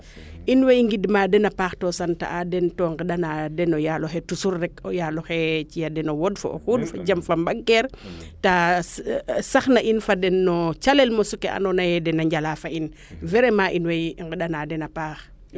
in way ngidma den a paax to sant a den to ndenda na den o yaaloxe toujours rek o yaaloxe ciya den o wod fo o xuund fo jam fo mbag keer ta sax na in fa den no calel mosu ke ando naye dena njala fo in vraiment in way ngenda na den a paax